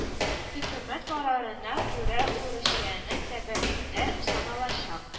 Хөкүмәт карарына күрә ул русиянең төбәгендә сыналачак